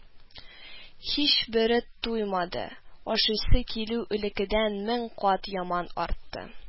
Һичбере туймады, ашыйсы килү элеккедән мең кат яман артты